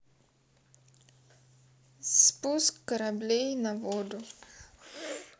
спуск кораблей на воду